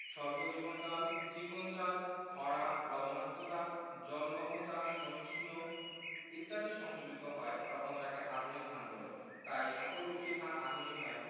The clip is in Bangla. স্বল্প জীবনকাল চিকন চাল খরা লবনাক্ততা জলমগ্নতা সহিষ্ণু ইত্যাদি সংযোজিত হয় তখন তাকে আধুনিক ধান বলে তাই সকল উফশী ধান আধুনিক নয়